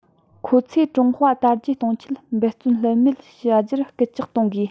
ཁོང ཚོས ཀྲུང ཧྭ དར རྒྱས གཏོང ཆེད འབད བརྩོན ལྷོད མེད བྱ རྒྱུར སྐུལ ལྕག གཏོང དགོས